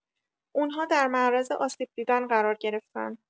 اون‌ها در معرض آسیب دیدن قرار گرفتن